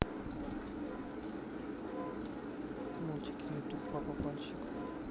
мультики ютуб папа пальчик